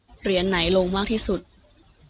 เหรียญไหนลงมากที่สุด